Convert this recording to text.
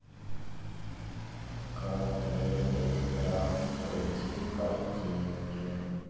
как выглядит рак груди картинки